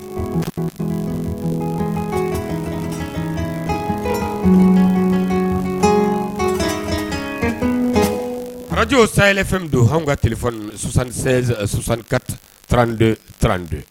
Farajw say fɛn don hali ka tilesanka tran trandte